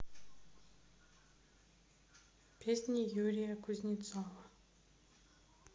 песни юрия кузнецова